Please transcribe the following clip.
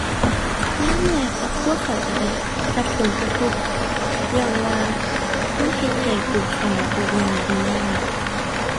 ยามแรกครอบครัวข้อยก็ได้รับผลกระทบ ญ้อนว่ามันเฮ็ดให้ปลูกข้าวปลูกหญ้าได้ยาก